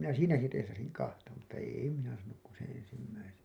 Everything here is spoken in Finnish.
minä siinäkin teesasin kahta mutta ei minä saanut kuin sen ensimmäisen